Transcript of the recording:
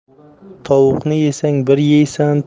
tovuqni yesang bir yeysan